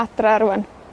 adra rŵan.